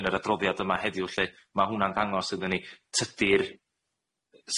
yn yr adroddiad yma heddiw 'lly ma' hwnna'n dangos iddon ni tydi'r